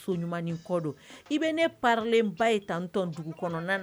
I nelen ba ye tantɔn dugu kɔnɔ